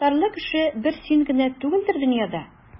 Алтатарлы кеше бер син генә түгелдер дөньяда.